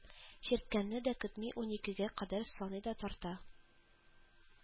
Чирткәнне дә көтми, уникегә кадәр саный да тарта